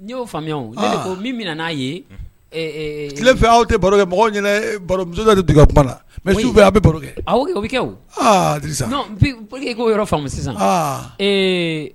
N y'o faamuya min min n'a ye tile fɛ aw tɛ barokɛ mɔgɔw de dug la mɛ aw bɛ baro bɛ kɛ koo yɔrɔ faamumu sisan